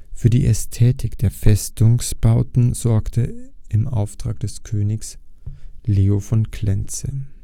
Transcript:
Für die Ästhetik der Festungsbauten sorgte im Auftrag des Königs Leo von Klenze